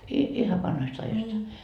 - ihan vanhoista ajoista